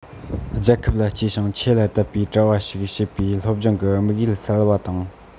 རྒྱལ ཁབ ལ གཅེས ཤིང ཆོས ལ དད བའི གྲྭ བ ཞིག བྱེད པའི སློབ སྦྱོང གི དམིགས ཡུལ གསལ བ དང